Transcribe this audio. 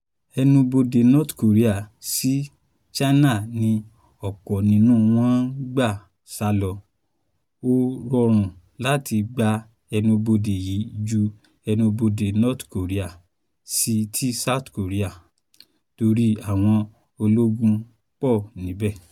Enubodè North Korea sí China ni ọ̀pọ̀ nínụ́ wọn ń gbà sálọ. Ó rọrùn láti gba ẹnubodè yí ju ẹnubodè North Korea sí ti South Korea torí àwọn ológun pọ̀ níbẹ̀.